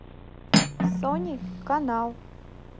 сони канал